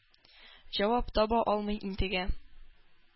Җавап таба алмый интегә.